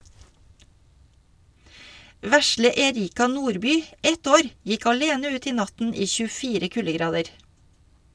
Vesle Erika Nordby, ett år, gikk alene ut i natten i 24 kuldegrader.